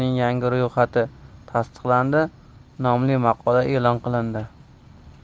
yangi ro'yxati tasdiqlandi nomli maqola e'lon qilindi